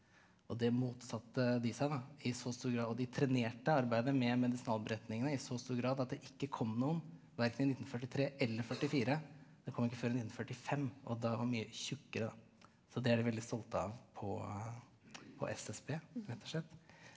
og det motsatte de seg da i så stor grad at de trenerte arbeidet med medisinalberetningene i så stor grad at det ikke kom noen verken i 1943 eller førtifire, det kom ikke før i 1945 og da var mye tjukkere da så det er de veldig stolte av på på SSB rett og slett.